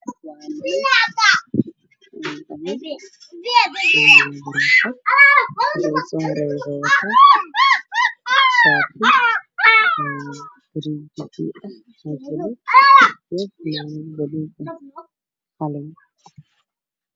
Waa niman meel fadhiyaan kuraas ku fadhiyaan midabkooda yihiin cid cid waxay wataan shaatiyo fikisheeriyo oday ninka u horreeya bidaar ayuu leeyahay